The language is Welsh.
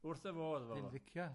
Wrth fy modd efo fo. Dwi'n licio.